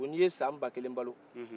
ni ye san bakelen balo